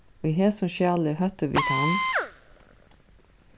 í hesum skjali hóttu vit hann